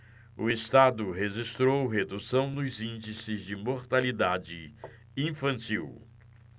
o estado registrou redução nos índices de mortalidade infantil